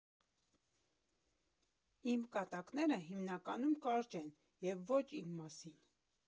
Իմ կատակները հիմնականում կարճ են և ոչ իմ մասին։